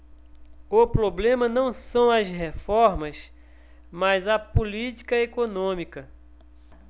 o problema não são as reformas mas a política econômica